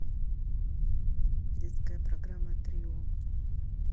детская программа три о